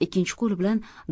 ikkinchi qo'li bilan